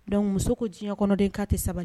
Dɔnku muso ko diɲɛ kɔnɔden'a tɛ sabali